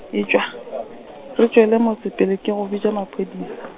etšwa, re tšwele motse pele ke go bitša maphodisa.